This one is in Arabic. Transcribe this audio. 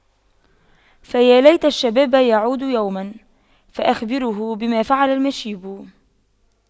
فيا ليت الشباب يعود يوما فأخبره بما فعل المشيب